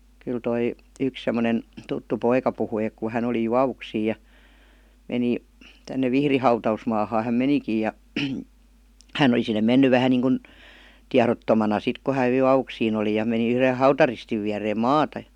kyllä tuo yksi semmoinen tuttu poika puhui että kun hän oli juovuksiin ja meni tänne Vihdin hautausmaahan hän menikin ja hän oli sinne mennyt vähän niin kuin tiedottomana sitten kun hän jo juovuksiin oli ja meni yhden hautaristin viereen maata ja